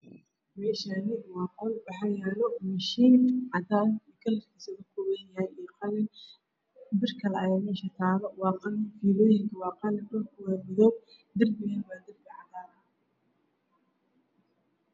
Meeshaani waa qol waxaa yaalo mishiin cadaan iyo qalin. birkale ayaa meesha taalo waa qalin. Fiilooyinka waa qalin, dhulkuna waa madow, darbiga waa cadaan.